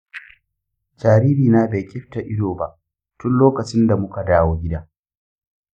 jaririna bai ƙifta ido ba tun lokacin da muka dawo gida.